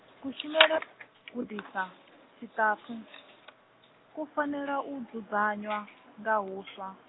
kushumele, gudisa, tshiṱafu, ku fanela u dzudzanywa, nga huswa.